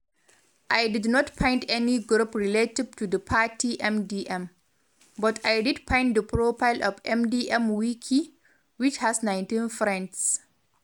I did not find any group relative to the Party MDM, but I did find the profile of MDMWIKI, which has 19 friends.